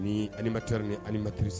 Ni animateur ni animatrice